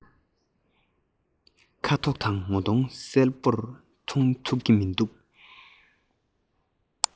ཁ དོག དང ངོ གདོང གསལ པོར མཐོང ཐུབ ཀྱི མི འདུག